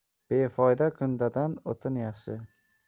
befoyda kundadan o'tin yaxshi